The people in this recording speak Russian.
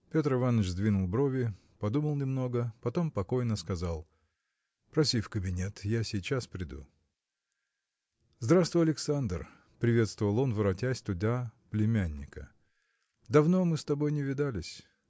Петр Иваныч сдвинул брови, подумал немного, потом покойно сказал – Проси в кабинет, я сейчас приду. – Здравствуй Александр – приветствовал он воротясь туда племянника – давно мы с тобой не видались.